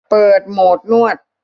เปิดโหมดนวด